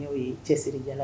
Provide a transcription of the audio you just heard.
N'o ye cɛsiri ja la